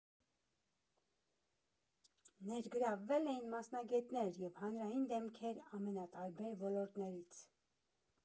Ներգրավվել էին մասնագետներ և հանրային դեմքեր ամենատարբեր ոլորտներից։